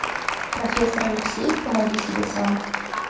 профессор алексеев помоги себе сам